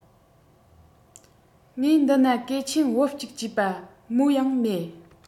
ངའི འདི ན གོས ཆེན བུབས གཅིག བཅས པ མའོ ཡང མེད